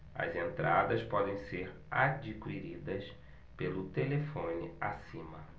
as entradas podem ser adquiridas pelo telefone acima